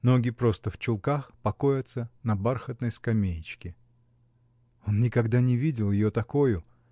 ноги просто в чулках покоятся на бархатной скамеечке. Он никогда не видал ее такою.